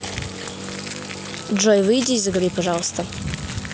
джой выйди из игры пожалуйста